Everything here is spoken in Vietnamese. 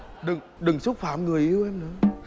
đừng đừng xúc phạm người yêu em